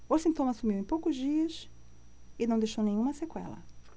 o sintoma sumiu em poucos dias e não deixou nenhuma sequela